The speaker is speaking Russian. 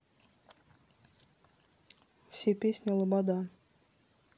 все песни лобода